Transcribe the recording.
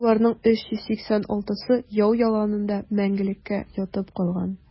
Шуларның 386-сы яу яланында мәңгелеккә ятып калган.